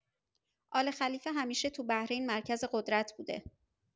آل‌خلیفه همیشه تو بحرین مرکز قدرت بوده.